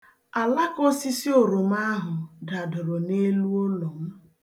Alaka osisi oroma ahụ dadoro n'elu ụlọ m.